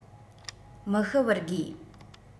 མི ཤི བར དགོས